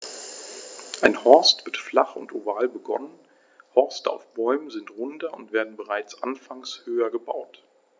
Ein Horst wird flach und oval begonnen, Horste auf Bäumen sind runder und werden bereits anfangs höher gebaut.